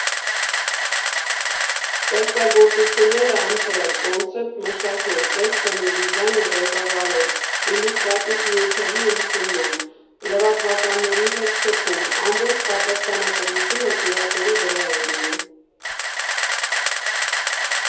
Ստեղծագործություններ ընտրել, կոնցեպտ մշակել, տեքստն ու դիզայնը ղեկավարել, իլյուստրատիվ նյութերի ընդունում, լրատվականների հետ շփում՝ ամբողջ պատասխանատվությունը կուրատորի վրա է լինում։